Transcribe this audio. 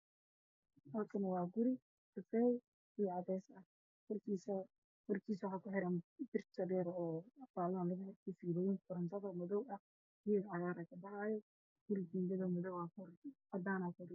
Halkaan waa guri cadaan iyo kafay ah, korkiisa waxaa kataagan bir dheer waxaa kuxiran filooyin, geedo cagaaran ayaa kabaxaayo, darbiga waa cadaan.